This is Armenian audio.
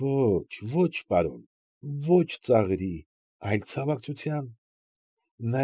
Ոչ, ոչ, պարոն, ոչ ծաղրի, այլ ցավակցության։